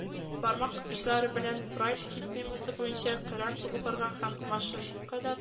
Бармак очлары белән брайль системасы буенча коръән укырга һәм машинкада